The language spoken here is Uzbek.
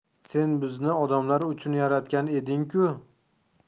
sen bizni odamlar uchun yaratgan eding ku